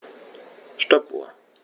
Stoppuhr.